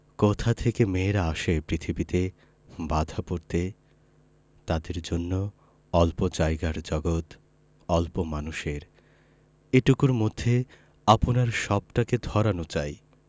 কোথা থেকে মেয়েরা আসে পৃথিবীতে বাঁধা পড়তে তাদের জন্য অল্প জায়গার জগত অল্প মানুষের এটুকুর মধ্যে আপনার সবটাকে ধরানো চাই